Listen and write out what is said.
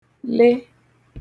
le